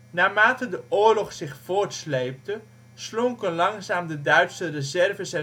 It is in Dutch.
Naarmate de oorlog zich voortsleepte slonken langzaam de Duitse reserves